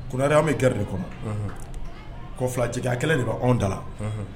Anw bɛ g de kɔnɔ ko fila cɛya kɛlɛ de b' anw da la